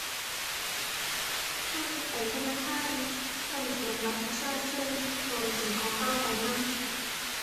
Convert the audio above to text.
ก่อนจะไปธนาคาร ต้องเตรียมบัตรประชาชนตัวจริงของตัวไปนำ